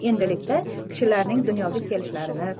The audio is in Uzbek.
endilikda kishilarning dunyoga kelishlarini